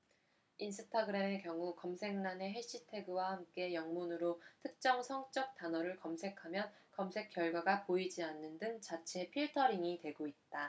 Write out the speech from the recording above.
인스타그램의 경우도 검색란에 해시태그와 함께 영문으로 특정 성적 단어를 검색하면 검색 결과가 보이지 않는 등 자체 필터링이 되고 있다